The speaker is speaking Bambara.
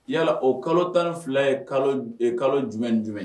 Yala o kalo 12 ye kalo kalo jumɛn jumɛn